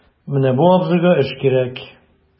Менә бу абзыйга эш кирәк...